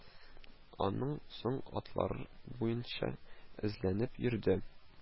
Аннан соң атналар буенча эзләнеп йөрде